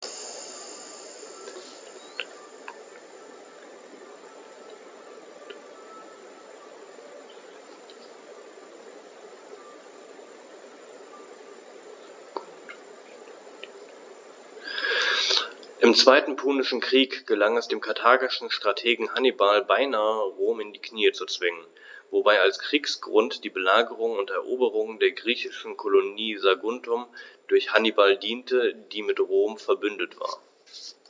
Im Zweiten Punischen Krieg gelang es dem karthagischen Strategen Hannibal beinahe, Rom in die Knie zu zwingen, wobei als Kriegsgrund die Belagerung und Eroberung der griechischen Kolonie Saguntum durch Hannibal diente, die mit Rom „verbündet“ war.